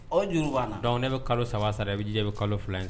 Dɔnku ne bɛ kalo saba sara i bɛ ji jɛ bɛ kalo fila in ye